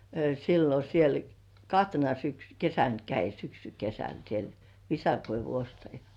silloin siellä kahtena - kesänä kävi syksykesänä siellä visakoivun ostaja